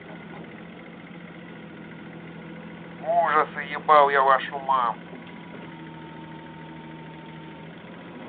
ужасы ебал я вашу маму